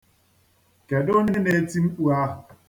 Kedụ onye na-eti mkpu ahụ?